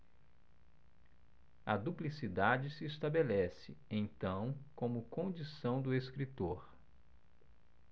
a duplicidade se estabelece então como condição do escritor